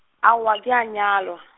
aowa a ke a nyalwa.